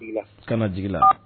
Kanajigila